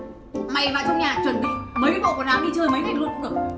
mày vào trong nhà chuẩn bị mấy bộ quần áo đi chơi mấy ngày luôn